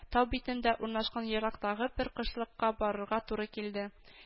Тау битендә урнашкан ерактагы бер кышлакка барырга туры килде